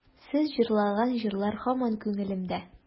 Сез җырлаган җырлар һаман күңелемдә.